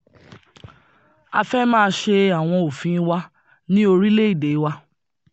A fẹ́ máa ṣe àwọn ofin wa ní orílẹ̀-èdè wa.'